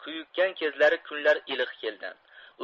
sayg'oqlar kuyikkan kezlari kunlar iliq keldi